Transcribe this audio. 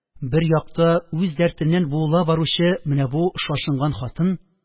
Бер якта – үз дәртеннән буыла баручы менә бу шашынган хатын